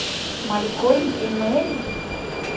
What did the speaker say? малькольм и mary